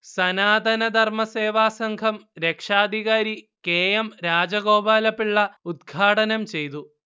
സനാതന ധർമസേവാസംഘം രക്ഷാധികാരി K M Rajagopala Pillai ഉദ്ഘാടനം ചെയ്തു